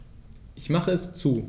Ich mache es zu.